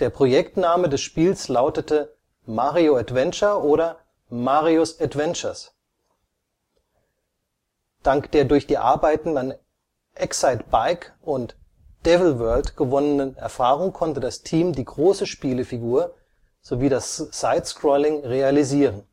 Projektname des Spiels lautete Mario Adventure oder Mario 's Adventures. Dank der durch die Arbeiten an Excitebike und Devil World gewonnenen Erfahrung konnte das Team die große Spielfigur sowie das Side-Scrolling realisieren